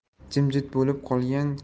jimjit bo'lib qolgan